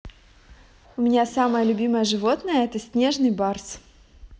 у меня самое любимое животное это снежный барс